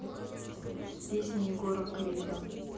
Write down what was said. песня егора крида